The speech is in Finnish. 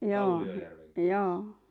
Kalliojärven kylässä